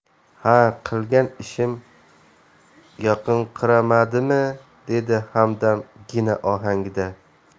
ha qilgan ishim yoqinqiramadimi dedi hamdam gina ohangida